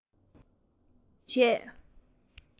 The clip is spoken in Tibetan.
རང དབང བསྩལ དུས བྱས